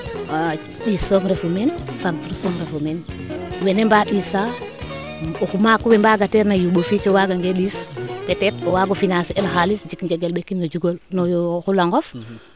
in soom ndefu meen charte soom reefu meen wena mbaa ɗiisa maak we mbateerna yuumbo fiic o waaga nge ɗiis peut etre o waago financer el xalis cik njegel ɓekin no no xulongof